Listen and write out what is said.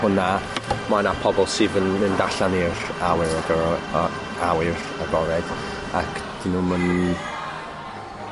hwnna ma' 'na pobol sydd yn mynd allan i'r awyr agr- y awyr agored ac 'dyn nw'm yn